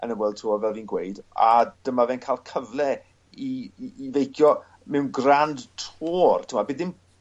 yn y World Tour fel fi'n gweud a dyma fe'n ca'l cyfle i i i feicio mewn Grand Tour t'mod by' ddim